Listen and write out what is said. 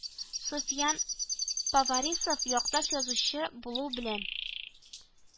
Суфиян Поварисов якташ язучы булу белән